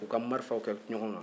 k'u ka marifaw kɛ ɲɔgɔn kan